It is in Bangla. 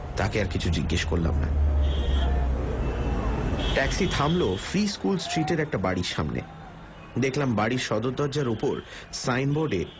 তাকে আর কিছু জিজ্ঞেস করলাম না ট্যাক্সি থামল ফ্রি স্কুল ষ্ট্রিটের একটা বাড়ির সামনে দেখলাম বাড়ির সদর দরজার উপরে সাইনবোর্ডে